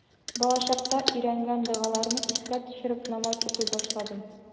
Балачакта өйрәнгән догаларны искә төшереп, намаз укый башладым.